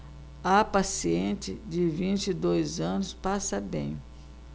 a paciente de vinte e dois anos passa bem